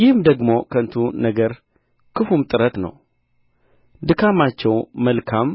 ይህም ደግሞ ከንቱ ነገር ክፉም ጥረት ነው ድካማቸው መልካም